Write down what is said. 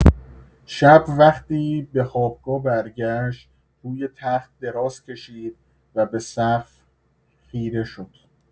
شب، وقتی به خوابگاه برگشت، روی تخت دراز کشید و به سقف خیره شد.